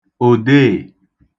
òdeè